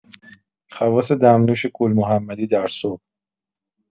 خواص دمنوش گل‌محمدی در صبح!